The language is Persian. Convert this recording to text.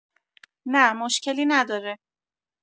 نه، مشکلی نداره.